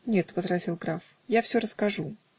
-- Нет, -- возразил граф, -- я все расскажу